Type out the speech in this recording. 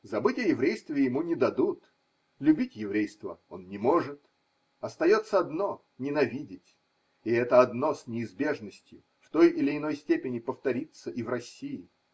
Забыть о еврействе ему не дадут, любить еврейство он не может – остается одно: ненавидеть, и это одно с неизбежностью, в той или иной степени, повторится и в России.